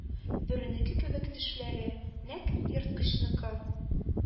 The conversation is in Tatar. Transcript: Бүренеке кебек тешләре, нәкъ ерткычныкы